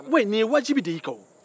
nin ye wajibi de ye i kan